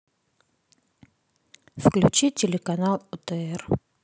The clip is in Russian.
включи телеканал отр